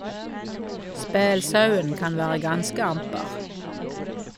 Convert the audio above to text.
Spælsauen kan være ganske amper.